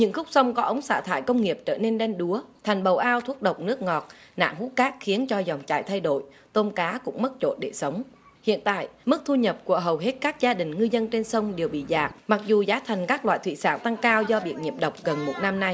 những khúc sông có ống xả thải công nghiệp trở nên đen đúa thành bầu ao thuốc độc nước ngọt nạn hút cát khiến cho dòng chảy thay đổi tôm cá cũng mất chỗ để sống hiện tại mức thu nhập của hầu hết các gia đình ngư dân trên sông đều bị dạt mặc dù giá thành các loài thủy sản tăng cao do bị nhiễm độc gần một năm nay